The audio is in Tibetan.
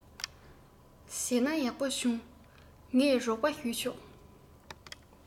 བྱས ན ཡག པོ བྱུང ངས རོགས པ ཞུས ཆོག